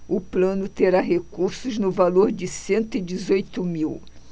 o plano terá recursos no valor de cento e dezoito mil